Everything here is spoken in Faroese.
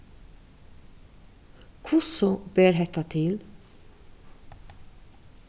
hvussu ber hetta til